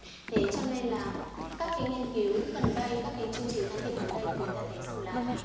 thế cho nên là các cái nghiên cứu chương trình can thiệp gần đây thì người ta thấy là